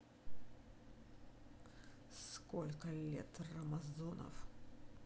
сколько лет рамазонов